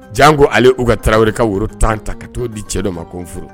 Jan ko ale uu ka tarawele wɛrɛ ka woro tan ta ka taa di cɛ dɔ ma ko furu